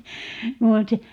minä olisin